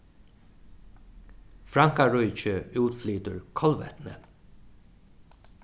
frankaríki útflytur kolvetni